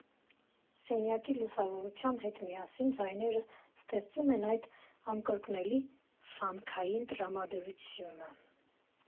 Սենյակի լուսավորության հետ միասին ձայները ստեղծում են այդ անկրկնելի ֆանքային տրամադրությունը։